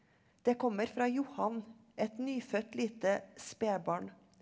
det kommer fra Johan, et nyfødt lite spedbarn.